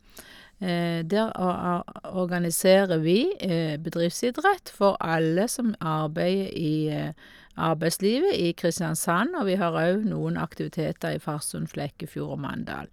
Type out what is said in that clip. Der o a organiserer vi bedriftsidrett for alle som arbeider i arbeidslivet i Kristiansand, og vi har òg noen aktiviteter i Farsund, Flekkefjord og Mandal.